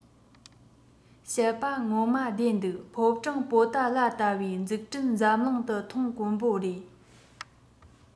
བཤད པ ངོ མ བདེན འདུག ཕོ བྲང པོ ཏ ལ ལྟ བུའི འཛུགས སྐྲུན འཛམ གླིང དུ མཐོང དཀོན པོ རེད